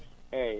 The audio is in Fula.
eeyi